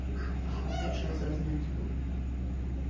а как лучше осознать хуй